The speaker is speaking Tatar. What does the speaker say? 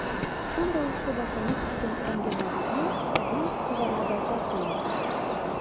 Шул рәвешле башланып киткән әңгәмәбезне сезнең игътибарга да тәкъдим итәм.